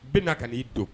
Bɛna na ka na' i don